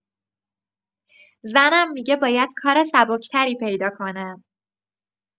زنم می‌گه باید کار سبک‌تری پیدا کنم.